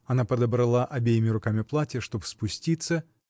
Она подобрала обеими руками платье, чтоб спуститься.